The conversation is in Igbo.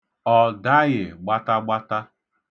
Ọ daghị gbatagbata.